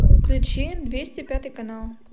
включи двести пятый канал